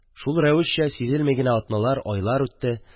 Шул рәвешчә сизелми генә атналар, айлар үтте.